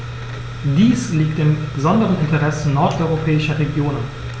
Dies liegt im besonderen Interesse nordeuropäischer Regionen.